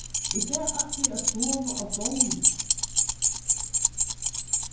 í dag ætli eg at sova á bóli